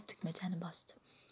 tugmachani bosdi